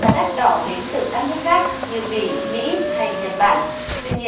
và đắt đỏ đến từ các nước khác như bỉ mỹ hay nhật bản tuy nhiên